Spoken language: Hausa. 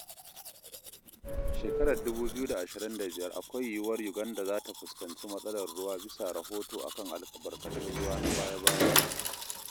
A 2025 akwai yiwuwar Uganda za ta fuskanci matsalar ruwa bisa rahoto a kan albarkatun ruwa na baya-bayan nan.